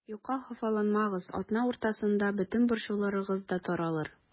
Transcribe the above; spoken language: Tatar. Юкка хафаланмагыз, атна уртасында бөтен борчуларыгыз да таралыр.